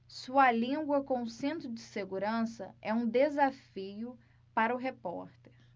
sua língua com cinto de segurança é um desafio para o repórter